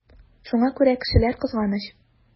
Шуңа күрә кешеләр кызганыч.